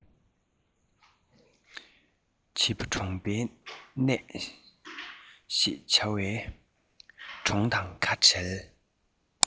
བྱིས པ གྲོངས པའི གནས ཤེས བྱ བའི ཞིང གྲོང དང ཁ བྲལ